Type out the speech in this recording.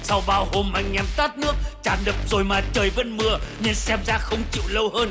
sau bao hôm anh em tát nước tràn đập rồi mà trời vẫn mưa nhưng xem ra không chịu lâu hơn